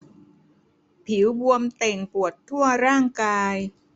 ผิวบวมเต่งปวดทั่วร่างกาย